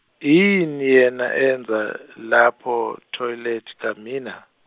ini yena enza, lapho toilet kamina.